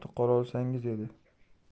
qolaolsangiz edi